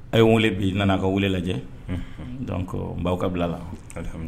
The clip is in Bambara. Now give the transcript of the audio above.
A ye n weele bi nana ka weele lajɛ don bawaw ka bila la ali